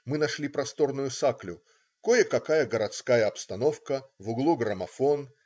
Мы нашли просторную саклю: кое-какая городская обстановка, в углу граммофон.